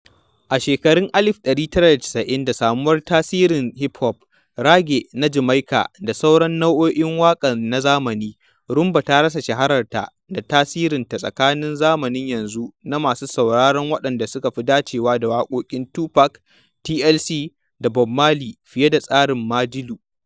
A shekarun 1990s, da samuwar tasirin hip-hop, reggae na Jamaica, da sauran nau’o’in waƙa na zamani, Rhumba ta rasa shahararta da tasirinta tsakanin zamanin yanzu na masu sauraro waɗanda suka fi dacewa da waƙoƙin Tupac, TLC, da Bob Marley fiye da tsarin Madilu.